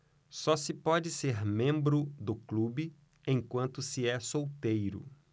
só se pode ser membro do clube enquanto se é solteiro